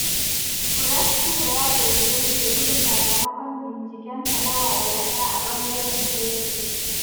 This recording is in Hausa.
Furaskito ya zarge su da buga sakamakon bincikensa na wadaƙa a ɓangaren koko.